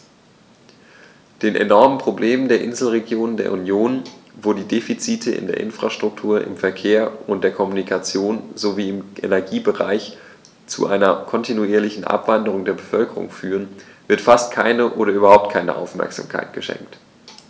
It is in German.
Den enormen Problemen der Inselregionen der Union, wo die Defizite in der Infrastruktur, im Verkehr, in der Kommunikation sowie im Energiebereich zu einer kontinuierlichen Abwanderung der Bevölkerung führen, wird fast keine oder überhaupt keine Aufmerksamkeit geschenkt.